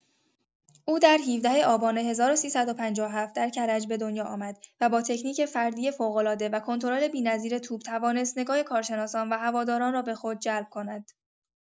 او در ۱۷ آبان ۱۳۵۷ در کرج به دنیا آمد و با تکنیک فردی فوق‌العاده و کنترل بی‌نظیر توپ توانست نگاه کارشناسان و هواداران را به خود جلب کند.